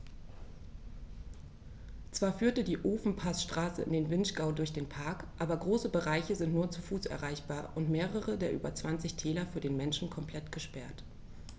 Zwar führt die Ofenpassstraße in den Vinschgau durch den Park, aber große Bereiche sind nur zu Fuß erreichbar und mehrere der über 20 Täler für den Menschen komplett gesperrt.